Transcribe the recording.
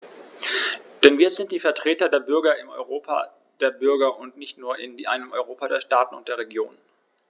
Denn wir sind die Vertreter der Bürger im Europa der Bürger und nicht nur in einem Europa der Staaten und der Regionen.